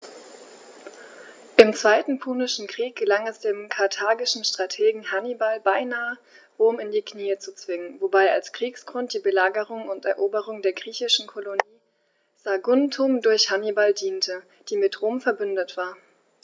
Im Zweiten Punischen Krieg gelang es dem karthagischen Strategen Hannibal beinahe, Rom in die Knie zu zwingen, wobei als Kriegsgrund die Belagerung und Eroberung der griechischen Kolonie Saguntum durch Hannibal diente, die mit Rom „verbündet“ war.